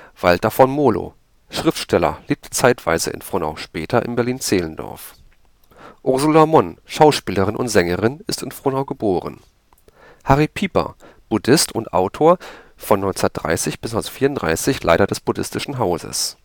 Walter von Molo, Schriftsteller, lebte zeitweise in Frohnau, später in Berlin-Zehlendorf Ursela Monn, Schauspielerin und Sängerin, ist in Frohnau geboren Harry Pieper, Buddhist und Autor war von 1930 bis 1934 Leiter des Buddhistischen Hauses